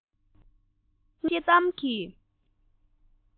ངས ཀྱང མིག ཤེལ ཤེལ དམ གྱི